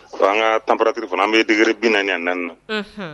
An ŋaa température fana an bee dégré 44 na unhun